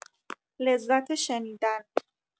لذت شنیدن